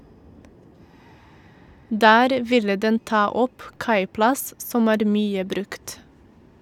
Der ville den ta opp kaiplass som er mye brukt.